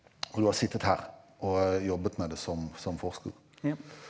og du har sittet her og jobbet med det som som forsker.